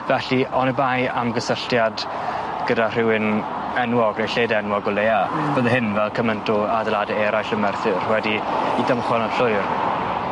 Felly onibai am gysylltiad gyda rhywun enwog neu lled enwog o leia... Hmm. ...fyn hyn fel cyment o adeilade eraill yn Merthyr wedi 'u dymchwel yn llwyr.